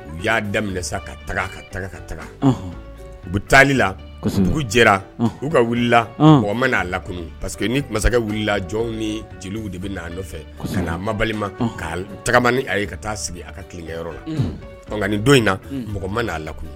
U y'a daminɛ sa ka taga ka taga ka taga u bɛ taali la dugu jɛra u ka wulila mɔgɔ ma n'a lakun pa que ni masakɛ wulila jɔn ni jeliw de bɛ na nɔfɛ'a ma kaa tagamani a ye ka taa sigi a ka tilenyɔrɔ lai don in na mɔgɔ ma n'a lakun